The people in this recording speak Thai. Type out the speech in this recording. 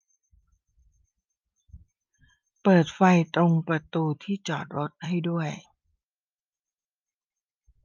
เปิดไฟตรงประตูที่จอดรถให้ด้วย